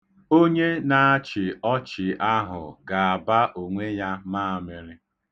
Onye na-achị ọchị ahụ ga-aba onwe ya maamịrị.